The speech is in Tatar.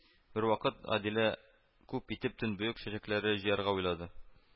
Бервакыт Гадилә күп итеп төнбоек чәчәкләре җыярга уйлады